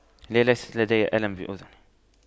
لا ليست لدي ألم بأذني